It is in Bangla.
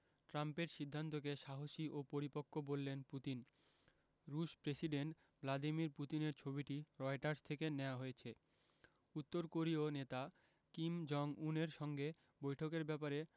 ট্রাম্পের সিদ্ধান্তকে সাহসী ও পরিপক্ব বললেন পুতিন রুশ প্রেসিডেন্ট ভ্লাদিমির পুতিনের ছবিটি রয়টার্স থেকে নেয়া হয়েছে উত্তর কোরীয় নেতা কিম জং উনের সঙ্গে বৈঠকের ব্যাপারে